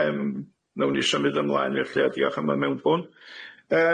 Yym nawn ni symud ymlaen lly a diolch am y mewnbwn.